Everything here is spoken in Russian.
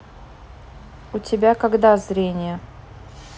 у тебя когда зрение